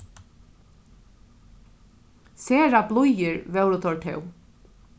sera blíðir vóru teir tó